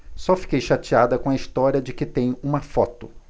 só fiquei chateada com a história de que tem uma foto